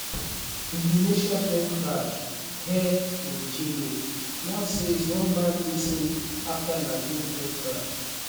Micronesia plane crash: Air Niugini now says one man missing after lagoon plane crash